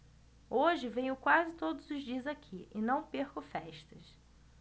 hoje venho quase todos os dias aqui e não perco festas